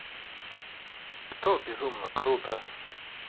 кто безумно круто